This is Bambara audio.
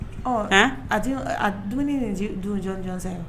A a dumuni nin dun jɔn jɔn sa ye